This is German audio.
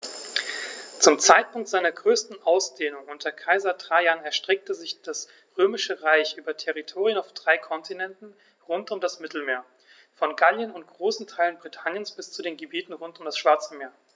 Zum Zeitpunkt seiner größten Ausdehnung unter Kaiser Trajan erstreckte sich das Römische Reich über Territorien auf drei Kontinenten rund um das Mittelmeer: Von Gallien und großen Teilen Britanniens bis zu den Gebieten rund um das Schwarze Meer.